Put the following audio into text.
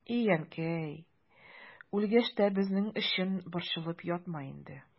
И әнкәй, үлгәч тә безнең өчен борчылып ятма инде.